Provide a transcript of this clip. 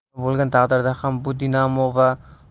nima bo'lgan taqdirda ham bu dinamo